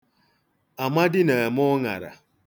Amadi na-eme ụṅara.